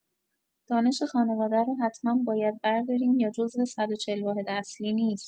دانش خانواده رو حتما باید برداریم یا جزو ۱۴۰ واحد اصلی نیست؟